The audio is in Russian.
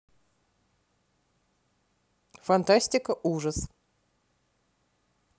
фантастика ужас